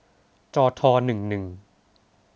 จอทอหนึ่งหนึ่ง